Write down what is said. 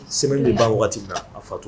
Sɛmɛ bɛ ban waati min na a fatu